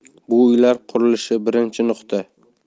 bu uylar qurilishi birinchi nuqta